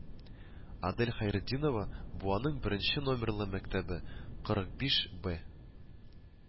Адель Хәйретдинова Буаның беренче номерлы мәктәбе кырык биш бэ